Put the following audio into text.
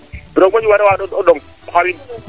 roog moƴu wariro waando ɗong o xawin